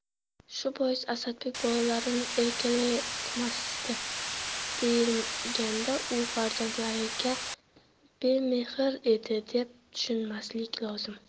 shu bois asadbek bolalarini erkalatmasdi deyilganda u farzandlariga bemehr edi deb tushunmaslik lozim